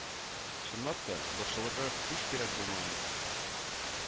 Чынлап та, борчылырга һич кирәк булмаган икән